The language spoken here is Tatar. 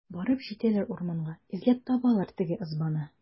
Барып җитәләр урманга, эзләп табалар теге ызбаны.